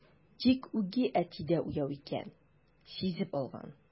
Тик үги әти дә уяу икән, сизеп алган.